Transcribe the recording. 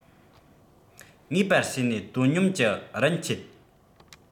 ངེས པར བྱས ནས དོ སྙོམས ཀྱི རིན ཁྱད